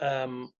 yym